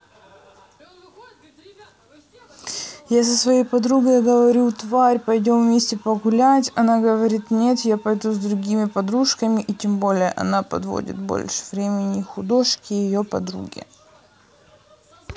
я со своей подругой говорю тварь пойдем вместе погулять она говорит нет я пойду с другими подружками и тем более она проводит больше времени художки ее подруги